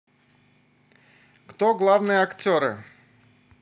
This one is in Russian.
кто главные актеры